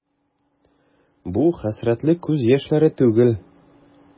Бу хәсрәтле күз яшьләре түгел.